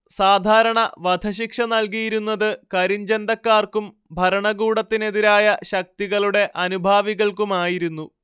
സാധാരണ വധശിക്ഷ നൽകിയിരുന്നത് കരിഞ്ചന്തക്കാർക്കും ഭരണകൂടത്തിനെതിരായ ശക്തികളുടെ അനുഭാവികൾക്കുമായിരുന്നു